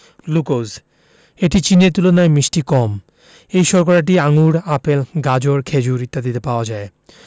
glucose এটি চিনির তুলনায় মিষ্টি কম এই শর্করাটি আঙুর আপেল গাজর খেজুর ইত্যাদিতে পাওয়া যায়